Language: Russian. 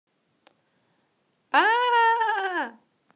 а а а а